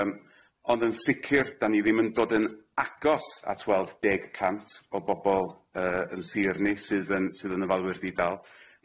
Yym ond yn sicir 'da ni ddim yn dod yn agos at weld deg y cant o bobol yy 'yn sir ni sydd yn sydd yn ofalwyr di-dal.